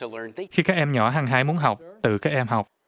khi các em nhỏ hăng hái muốn học tự các em học